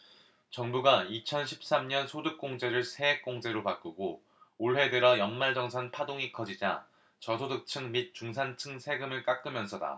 정부가 이천 십 삼 년 소득공제를 세액공제로 바꾸고 올해 들어 연말정산 파동이 커지자 저소득층 및 중산층 세금을 깎으면서다